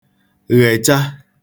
ghècha